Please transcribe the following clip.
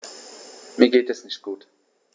Mir geht es nicht gut.